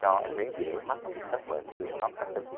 cho em bé dễ mắc các bệnh đường hô hấp cấp tính